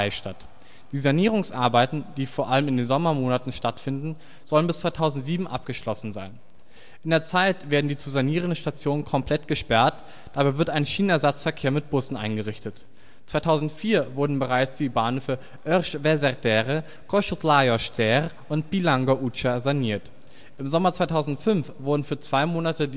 statt. Die Sanierungsarbeiten, die vor allem in den Sommermonaten stattfinden, sollen bis 2007 abgeschlossen sein. In der Zeit werden die zu sanierenden Stationen komplett gesperrt, dabei wird ein Schienenersatzverkehr mit Bussen eingerichtet. 2004 wurden bereits die Bahnhöfe Örs vezér tere, Kossuth Lajos tér und Pillangó utca saniert. Im Sommer 2005 wurden für zwei Monate